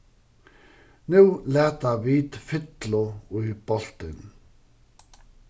nú lata vit fyllu í bóltin